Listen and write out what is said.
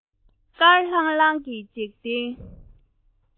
དཀར ལྷང ལྷང གི འཇིག རྟེན